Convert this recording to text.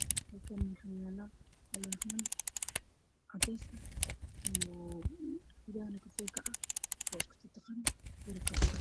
Halkaan waxaa yaalo dhagaxman cadeys oo gudaha kafay ka ah oo isku tiqtiqan waa guri qabyo ah.